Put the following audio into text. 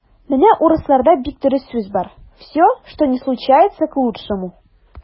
Менә урысларда бик дөрес сүз бар: "все, что ни случается - к лучшему".